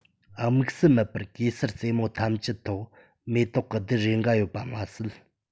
དམིགས བསལ མེད པར གེ སར རྩེ མོ ཐམས ཅད ཐོག མེ ཏོག གི རྡུལ རེ འགའ ཡོད པ མ ཟད